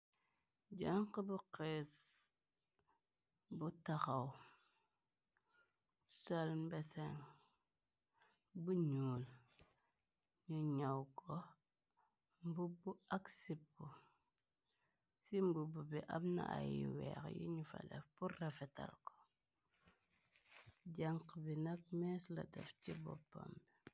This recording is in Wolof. Janxa bu xees bu taxaw sal mbesing bu ñuul. Nyu ñaw ko mbubb ak sip ci mbubb bi amna ay weex. Yiñu fa def purrafe talko janq bi nag mees la def ci boppam bi.